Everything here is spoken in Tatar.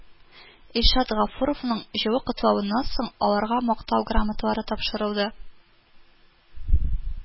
Илшат Гафуровның җылы котлавыннан соң, аларга Мактау грамоталары тапшырылды